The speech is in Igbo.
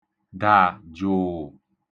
dà jụ̀ụ̀